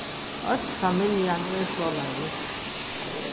øll familjan er soleiðis